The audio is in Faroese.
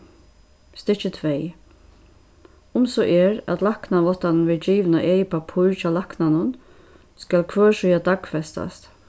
stykki tvey um so er at læknaváttanin verður givin á egið pappír hjá læknanum skal hvør síða dagfestast